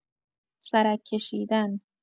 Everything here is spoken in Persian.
سرک کشیدن